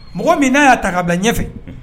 Mɔgɔ min n'a y'a ta ka bila ɲɛfɛ